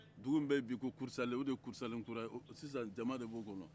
dugu min bɛ yen bi ko kurusalen o de ye kurusalenkura ye sisan jama de b'o kɔnɔ